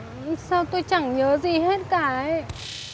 sao tôi chẳng nhớ gì hết cả ý